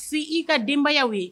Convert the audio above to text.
Si i ka denbaya ye